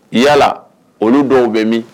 Yala olu dɔw bɛ min